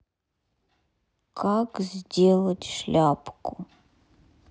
как сделать шляпку